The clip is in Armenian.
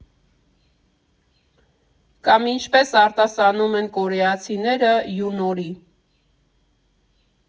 Կամ, ինչպես արտասանում են կորեացիները, յունորի։